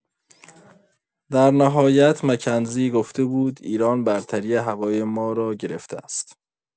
در نهایت مکنزی گفته بود ایران برتری هوایی ما را گرفته است.